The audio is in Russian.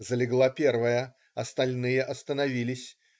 Залегла первая - остальные остановились.